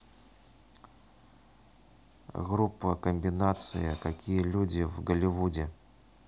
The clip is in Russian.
группа комбинация какие люди в голливуде